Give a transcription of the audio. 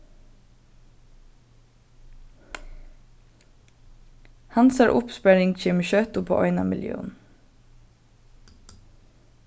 hansara uppsparing kemur skjótt upp á eina millión